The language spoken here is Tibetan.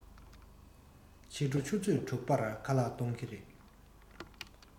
ཕྱི དྲོ ཆུ ཚོད དྲུག པར ཁ ལག གཏོང གི རེད